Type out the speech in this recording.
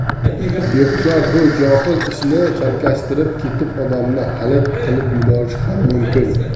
yo'qsa bu johil ishni chalkashtirib ketib odamni halak qilib yuborishi ham mumkin